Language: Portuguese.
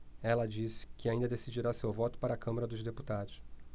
ela disse que ainda decidirá seu voto para a câmara dos deputados